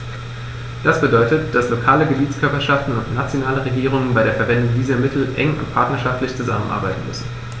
Das bedeutet, dass lokale Gebietskörperschaften und nationale Regierungen bei der Verwendung dieser Mittel eng und partnerschaftlich zusammenarbeiten müssen.